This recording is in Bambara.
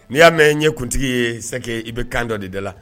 Ni ya mɛn n ye kuntigi ye c'est que i bi kan dɔ de da la.